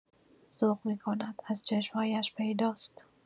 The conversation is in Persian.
ذوق می‌کند، از چشم‌هایش پیداست.